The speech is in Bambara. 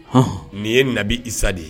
Hɔn nin ye na bi isa de ye